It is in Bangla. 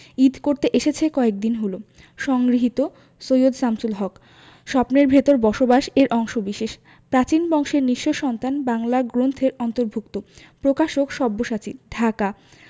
ঈদ করতে এসেছে কয়েকদিন হলো সংগৃহীত সৈয়দ শামসুল হক স্বপ্নের ভেতর বসবাস এর অংশবিশেষ প্রাচীন বংশের নিঃস্ব সন্তান বাংলা গ্রন্থের অন্তর্ভুক্ত প্রকাশকঃ সব্যসাচী ঢাকা